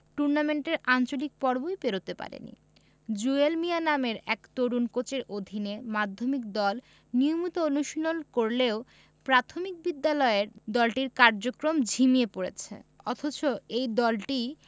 টুর্নামেন্টের আঞ্চলিক পর্বই পেরোতে পারেনি জুয়েল মিয়া নামের এক তরুণ কোচের অধীনে মাধ্যমিক দল নিয়মিত অনুশীলন করলেও প্রাথমিক বিদ্যালয়ের দলটির কার্যক্রম ঝিমিয়ে পড়েছে অথচ এই দলটিই